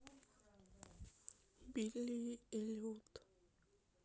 билли эллиот